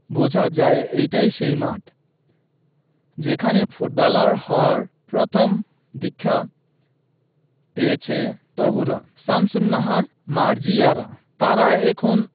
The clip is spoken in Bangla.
বোঝা যায় এটাই সেই মাঠ যেখানে ফুটবলার হওয়ার প্রথম দীক্ষা পেয়েছে তহুরা শামসুন্নাহার মার্জিয়ারা তারা এখন